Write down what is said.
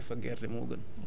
wala mboq ren